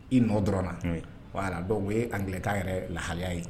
I nɔ dɔrɔn wala' dɔw o ye an gɛlɛyakan yɛrɛ lahaya ye